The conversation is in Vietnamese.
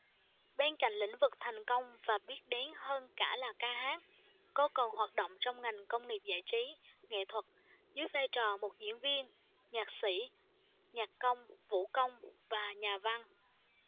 bên cạnh lĩnh vực thành công và được biết đến hơn cả là ca hát cô còn hoạt động trong ngành công nghiệp giải trí nghệ thuật dưới vai trò một diễn viên nhạc sĩ nhạc công vũ công và nhà văn